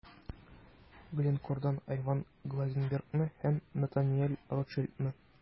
Glencore'дан Айван Глазенбергны һәм Натаниэль Ротшильдны.